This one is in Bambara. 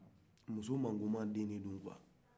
muso mango den de do quoi